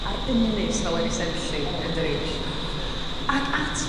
ar ynys fel Ynys Enlli yndydi? Ag at...